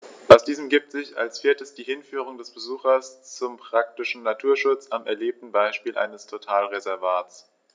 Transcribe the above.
Aus diesen ergibt sich als viertes die Hinführung des Besuchers zum praktischen Naturschutz am erlebten Beispiel eines Totalreservats.